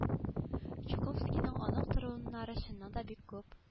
Чуковскийның онык-туруннары чыннан да бик күп